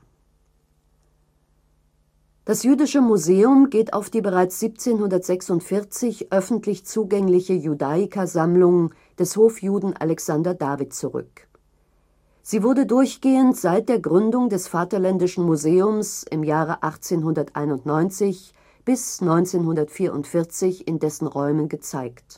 Das Jüdische Museum geht auf die bereits 1746 öffentlich zugängliche Judaica-Sammlung des Hofjuden Alexander David zurück. Sie wurde durchgehend seit der Gründung des " Vaterländischen Museums " im Jahre 1891 bis 1944 in dessen Räumen gezeigt